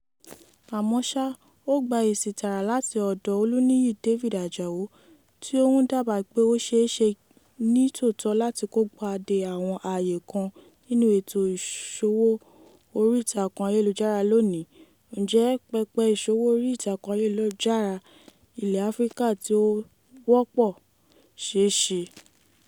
Àmọ́ ṣá, ó gba èsì tààrà láti ọ̀dọ̀ Oluniyi David Àjàó tí ó ń dábàá pé ó ṣeé ṣe ní tòótọ́ láti kópa dé àwọn ààyè kan nínú ètò ìṣòwò orí ìtàkùn ayélujára lónìí: Ǹjẹ́ pẹpẹ ìṣòwò orí ìtàkùn ayélujára ilẹ̀ Áfríkà tí ó wọ́pọ̀ ṣeé ṣe?